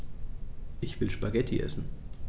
Ich will Spaghetti essen.